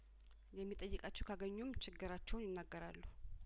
የሚጠይቃቸው ካገኙም ችግራቸውን ይናገራሉ